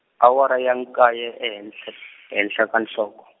awara ya nkaye, ehenhl-, henhla ka nhloko.